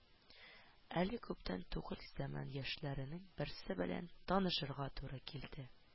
Әле күптән түгел заман яшьләренең берсе белән танышырга туры килде